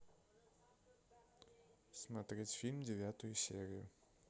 смотреть фильм девятую серию